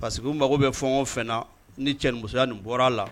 Pa que mago bɛ fɔ o fɛ ni cɛmusoya nin bɔra a la